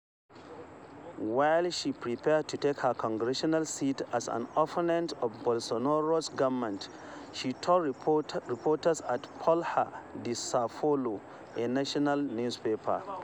While she prepared to take her congressional seat as an opponent of Bolsonaro’s government, she told reporters at Folha de São Paulo, a national newspaper: